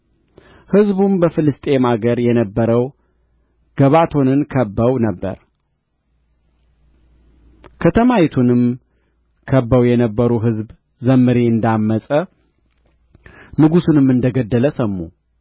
ሕዝቡም በፍልስጥኤም አገር የነበረው ገባቶንን ከብበው ነበር ከተማይቱንም ከብበው የነበሩ ሕዝብ ዘምሪ እንደ ዐመፀ ንጉሡንም እንደ ገደለ ሰሙ